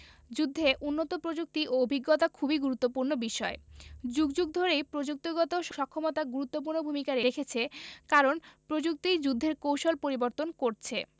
যুদ্ধে উন্নত প্রযুক্তি এবং অভিজ্ঞতা খুবই গুরুত্বপূর্ণ বিষয় যুগ যুগ ধরেই প্রযুক্তিগত সক্ষমতা গুরুত্বপূর্ণ ভূমিকা রেখেছে কারণ প্রযুক্তিই যুদ্ধের কৌশল পরিবর্তন করছে